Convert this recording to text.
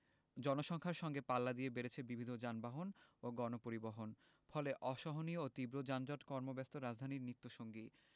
জনসংখ্যার সঙ্গে পাল্লা দিয়ে বেড়েছে বিবিধ যানবাহন ও গণপরিবহন ফলে অসহনীয় ও তীব্র যানজট কর্মব্যস্ত রাজধানীর নিত্যসঙ্গী